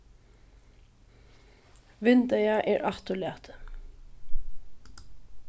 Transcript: vindeygað er afturlatið